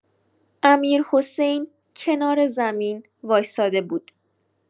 امیرحسین کنار زمین وایساده بود.